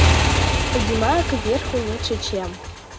поднимаю кверху лучше чем